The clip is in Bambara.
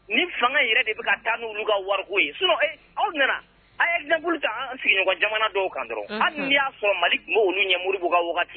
Ni fanga yɛrɛ de bɛ ka taa n niu ka wariko ye aw nana a yɛrɛ kan sigiɲɔgɔn jamana dɔw kan dɔrɔn hali y'a sɔrɔ mali tun oluu ɲɛ muru' ka wagati